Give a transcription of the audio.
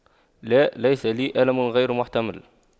لا ليس لي ألم غير محتمل